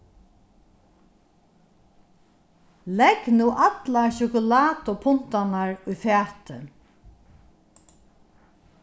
legg nú allar sjokulátapuntarnar í fatið